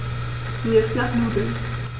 Mir ist nach Nudeln.